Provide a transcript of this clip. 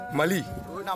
Mali